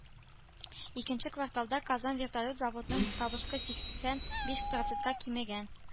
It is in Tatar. Икенче кварталда Казан вертолет заводының табышы сиксән биш процентка кимегән